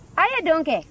a ye don kɛ